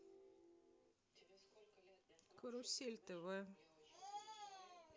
карусель тв